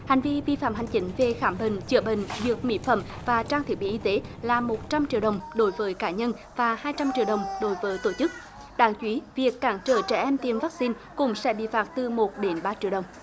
hành vi vi phạm hành chính về khám bệnh chữa bệnh dược mỹ phẩm và trang thiết bị y tế là một trăm triệu đồng đối với cá nhân và hai trăm triệu đồng đối với tổ chức đáng chú ý việc cản trở trẻ em tiêm vắc xin cũng sẽ bị phạt từ một đến ba triệu đồng